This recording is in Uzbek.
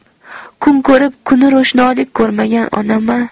kun ko'rib kuni ro'shnolik ko'rmagan onam a